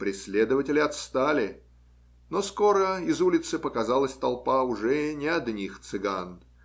Преследователи отстали, но скоро из улицы показалась толпа уже не одних цыган.